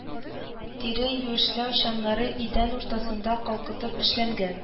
Тире юешләү чаннары идән уртасында калкытып эшләнгән